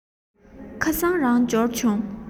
ཁ སང རང འབྱོར བྱུང